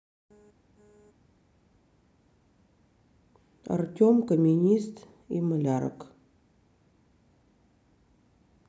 артем каменист и малярок